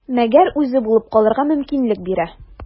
Мәгәр үзе булып калырга мөмкинлек бирә.